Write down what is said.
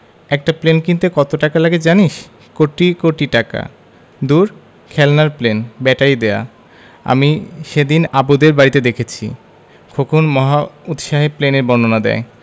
একটা প্লেন কিনতে কত টাকা লাগে জানিস কোটি কোটি টাকা দূর খেলনার প্লেন ব্যাটারি দেয়া আমি সেদিন আবুদের বাড়িতে দেখেছি খোকন মহা উৎসাহে প্লেনের বর্ণনা দেয়